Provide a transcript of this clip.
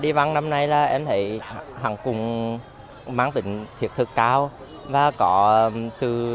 đề văn năm nay là em nghĩ hằng cùng mang tính thiết thực cao và có sự